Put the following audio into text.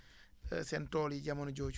seen tool yi jamono jooju